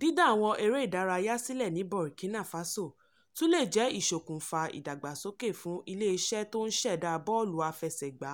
Dídá àwọn eré ìdárayá sílẹ̀ ni Burkina Faso tún lè jẹ́ iṣokùnfà Ìdàgbàsókè fún iléeṣẹ̀ tó ń ṣẹda bọ́ọ̀lù àfẹsẹ̀gbá